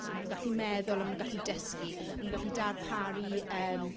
So mae nhw'n gallu meddwl a maen nhw'n gallu dysgu. A maen nhw'n gallu darparu yym...